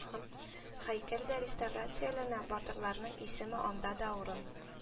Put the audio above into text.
Һәйкәл дә реставрацияләнә, батырларның исеме анда да урын